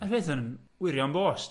a'r peth yn wirion bost.